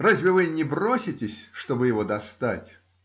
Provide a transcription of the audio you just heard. разве вы не броситесь, чтобы его достать?